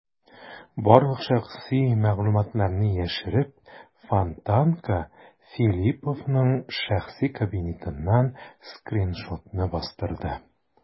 Барлык шәхси мәгълүматларны яшереп, "Фонтанка" Филипповның шәхси кабинетыннан скриншотны бастырды.